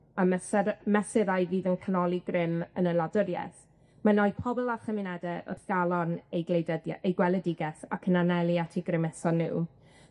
a mesyr- mesurau fydd yn canoli grym yn y wladwrieth, mae'n roi pobol a chymunede wrth galon eu gwleidyddie- eu gweledigeth ac yn anelu at 'u grymeso nw.